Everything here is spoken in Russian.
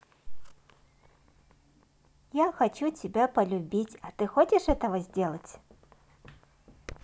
я хочу тебя полюбить а ты хочешь этого сделать